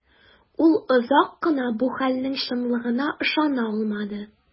Ул озак кына бу хәлнең чынлыгына ышана алмады.